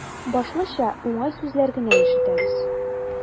Башлыча, уңай сүзләр генә ишетәбез.